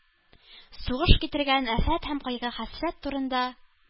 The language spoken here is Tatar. Сугыш китергән афәт һәм кайгы-хәсрәт турында